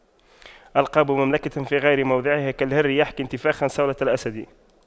ألقاب مملكة في غير موضعها كالهر يحكي انتفاخا صولة الأسد